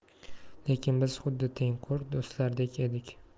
lekin biz xuddi tengqur do'stlardek edik